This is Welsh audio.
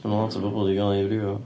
Achos ma 'na lot o bobl 'di cael eu brifo.